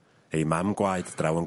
...ei mam gwaith draw yn...